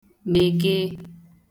mègee